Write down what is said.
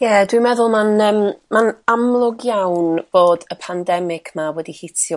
Ie dwi'n meddwl ma'n yym ma'n amlwg iawn fod y pandemig 'ma wedi hitio